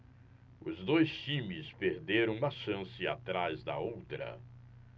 os dois times perderam uma chance atrás da outra